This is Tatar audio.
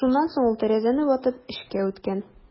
Шуннан соң ул тәрәзәне ватып эчкә үткән.